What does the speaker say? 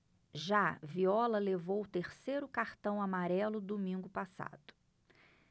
já viola levou o terceiro cartão amarelo domingo passado